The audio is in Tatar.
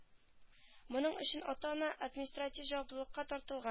Моның өчен ата-ана административ җаваплылыкка тартылган